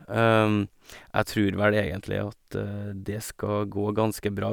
Jeg trur vel egentlig at det skal gå ganske bra.